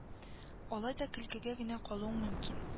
Алай да көлкегә генә калуың мөмкин